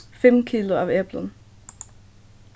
fimm kilo av eplum